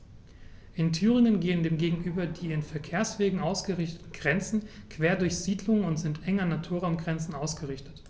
In Thüringen gehen dem gegenüber die an Verkehrswegen ausgerichteten Grenzen quer durch Siedlungen und sind eng an Naturraumgrenzen ausgerichtet.